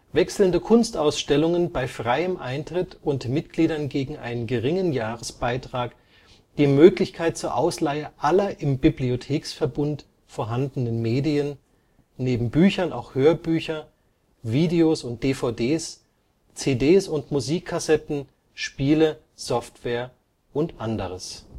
wechselnde Kunstausstellungen bei freiem Eintritt und Mitgliedern gegen einen geringen Jahresbeitrag die Möglichkeit zur Ausleihe aller im Bibliotheksverbund vorhandenen Medien, neben Büchern auch Hörbücher, Videos und DVDs, CDs und MCs, Spiele, Software u. a. Das